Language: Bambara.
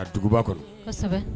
A duguba kɔrɔ